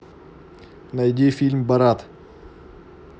найди фильм борат